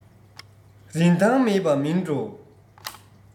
རིན ཐང མེད པ མིན འགྲོ